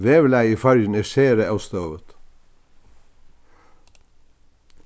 veðurlagið í føroyum er sera óstøðugt